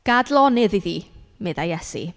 Gad lonydd iddi meddai Iesu.